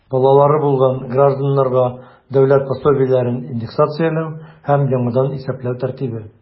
Балалары булган гражданнарга дәүләт пособиеләрен индексацияләү һәм яңадан исәпләү тәртибе.